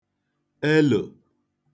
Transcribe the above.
elò